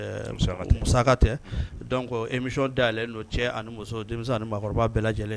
Emi da cɛ ani muso denmisɛnkɔrɔba bɛɛ lajɛlen